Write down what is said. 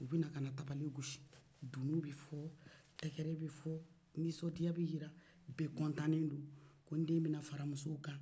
u bɛ na ka na tabale gosi dunun bɛ fɔ tɛgɛrɛ bɛ fɔ nisondiya bɛ jira bɛ kɔntannen do ko n den bɛna fara musow kan